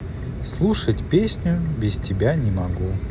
слушать песню без тебя не могу